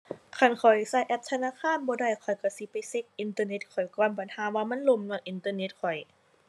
คันข้อยใช้แอปธนาคารบ่ได้ ข้อยใช้สิไปเช็กอินเทอร์เน็ตข้อยก่อน บัดห่าว่ามันล่มญ้อนอินเทอร์เน็ตข้อย